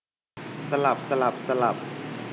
สลับสลับสลับ